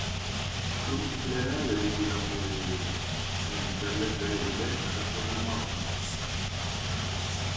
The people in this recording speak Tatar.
«ул икеләнә әле, - дип уйлап куйды миледи, - минем җитәрлек дәрәҗәдә ихласлы булмаганмын».